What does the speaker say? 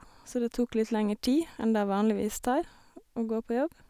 Så det tok litt lengre tid enn det vanligvis tar å gå på jobb.